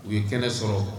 U ye kɛnɛ sɔrɔ